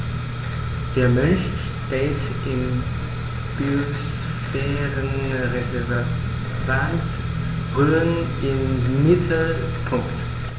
Der Mensch steht im Biosphärenreservat Rhön im Mittelpunkt.